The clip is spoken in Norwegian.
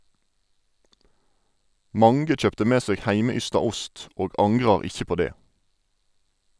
Mange kjøpte med seg heimeysta ost, og angrar ikkje på det.